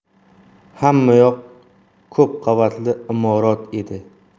hammayoq ko'pqavatli imorat edi